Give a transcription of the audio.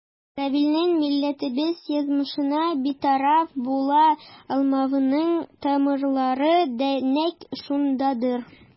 Равилнең милләтебез язмышына битараф була алмавының тамырлары да нәкъ шундадыр.